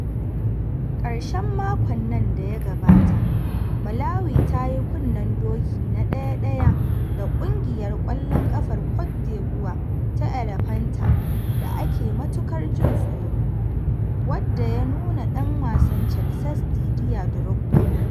Ƙarshen makon nan da ya gabata, Malawi ta yi kunnen doki na 1-1 da Ƙungiyar Ƙwallon Ƙafar Cote d'Ivoire ta Elephanta da ake matuƙar jin tsoro, wanda ya nuna ɗan wasan Chelses Didier Drogba.